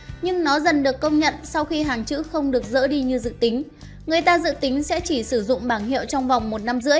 nhưng nó dần được công nhận sau khi hàng chữ không được dỡ đi như dự tính người ta dự tính sẽ chỉ sử dụng bảng hiệu trong vòng một năm rưỡi